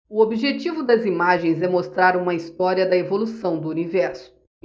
o objetivo das imagens é mostrar uma história da evolução do universo